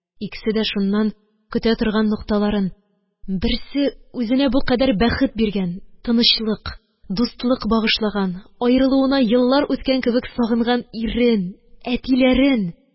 Икесе дә шуннан көтә торган нокталарын – берсе үзенә бу кадәр бәхет биргән, тынычлык, дустлык багышлаган, аерылуына еллар үткән кебек, сагынган ирен, әтиләрен,